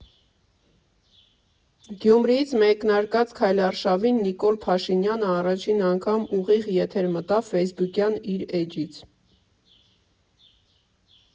Գյումրիից մեկնարկած քայլարշավին Նիկոլ Փաշինյանը առաջին անգամ ուղիղ եթեր մտավ ֆեյսբուքյան իր էջից։